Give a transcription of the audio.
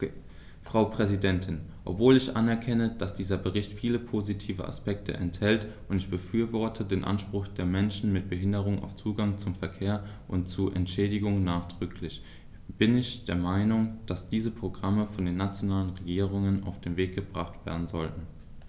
Frau Präsidentin, obwohl ich anerkenne, dass dieser Bericht viele positive Aspekte enthält - und ich befürworte den Anspruch der Menschen mit Behinderung auf Zugang zum Verkehr und zu Entschädigung nachdrücklich -, bin ich der Meinung, dass diese Programme von den nationalen Regierungen auf den Weg gebracht werden sollten.